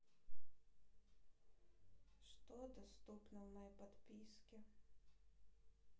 что доступно в моей подписке